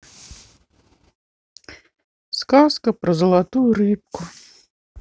сказка про золотую рыбку